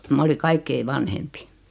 minä oli kaikkein vanhempi